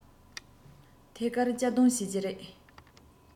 ཐད ཀར གཅར རྡུང བྱེད ཀྱི རེད